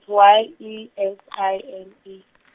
Y E S I L E.